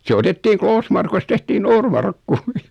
se otettiin Kloosmarkusta tehtiin Noormarkku